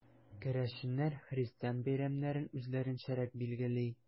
Керәшеннәр христиан бәйрәмнәрен үзләренчәрәк билгели.